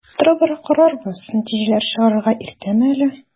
Тора-бара карарбыз, нәтиҗәләр чыгарырга иртәме әле?